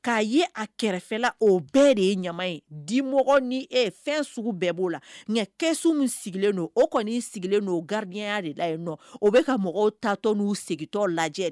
K'a ye a kɛrɛfɛla o bɛɛ de ye ɲama ye, di mɔgɔ ni e fɛn sugu bɛɛ b'o la mɛ kɛsu min sigilen don o kɔni sigilen don gardien ya de la yen nɔ. O bɛ ka mɔgɔw tatɔ n'u segintɔ lajɛ.